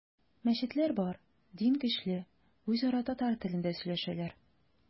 Мәчетләр бар, дин көчле, үзара татар телендә сөйләшәләр.